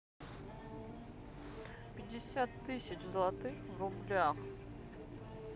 пятьдесят тысяч злотых в рублях